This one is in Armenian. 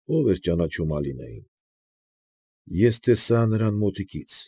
Ո՞վ էր ճանաչում Ալինային։ Ես տեսա նրան մոտիկից։